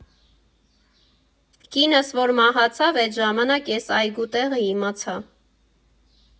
Կինս, որ մահացավ, էտ ժամանակ էս այգու տեղը իմացա։